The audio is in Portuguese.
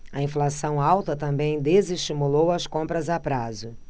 a inflação alta também desestimulou as compras a prazo